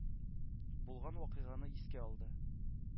Булган вакыйганы искә алды.